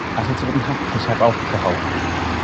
Allet ti fod yn hapus heb alcohol?